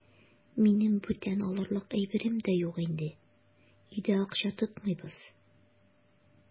Минем бүтән алырлык әйберем дә юк инде, өйдә акча тотмыйбыз.